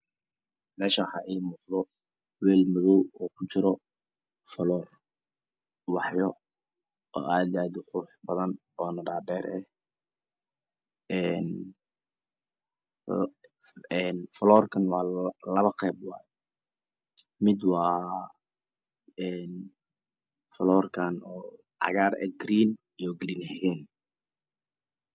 Meshan waxa imuqdo welmodowkujirafalor uwaxyo oAadiyo Aad uqurubadan onadhadheer ah Een falorkanawalaboqebwaye midwaafalorkan car iyo garden iyo garenxigen